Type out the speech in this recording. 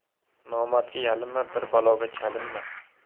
nomardga yalinma bir baloga chalinma